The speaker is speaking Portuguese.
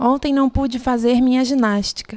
ontem não pude fazer minha ginástica